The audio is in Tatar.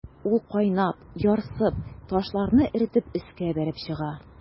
Ул кайнап, ярсып, ташларны эретеп өскә бәреп чыга.